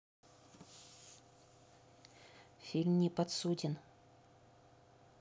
фильм неподсуден